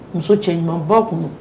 Muso cɛ ɲumanba kun